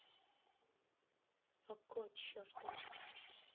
okko чертово сердце